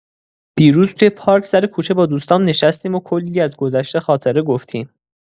دیروز توی پارک سر کوچه با دوستام نشستیم و کلی از گذشته خاطره گفتیم.